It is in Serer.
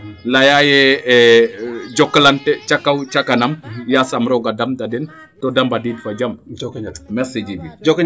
leyaa ye jokalante ca kaw ca kanam yasam rooga damta den to de mbadiid fa jam merci Djiby